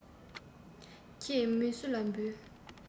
ཁྱེད མིན སུ ལ འབུལ